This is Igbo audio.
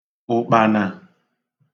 ụ̀kpànà